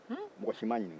mɔgɔ si m'a ɲininka